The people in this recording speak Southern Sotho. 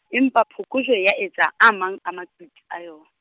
empa phokojwe ya etsa a mang a maqiti a yo.